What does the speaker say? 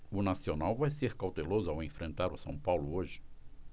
o nacional vai ser cauteloso ao enfrentar o são paulo hoje